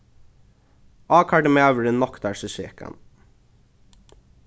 ákærdi maðurin noktar seg sekan